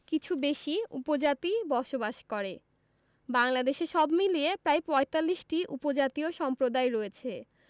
কিছু বেশি উপজাতি বসবাস করে বাংলাদেশে সব মিলিয়ে প্রায় ৪৫টি উপজাতীয় সম্প্রদায় রয়েছে